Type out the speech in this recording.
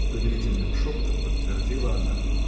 — повелительным шепотом подтвердила она.